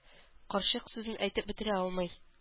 Карчык сүзен әйтеп бетерә алмый.